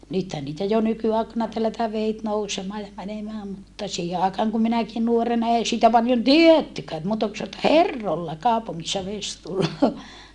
nythän niitä jo nykyaikana tellätään vedet nousemaan ja menemään mutta siihen aikaan kun minäkin nuorena ei siitä paljon tiedettykään että muuta kuin sanottiin että herroilla kaupungissa vesi tulee